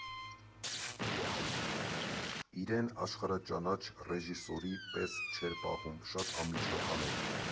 Իրեն աշխարհաճանաչ ռեժիսորի պես չէր պահում՝ շատ անմիջական էր։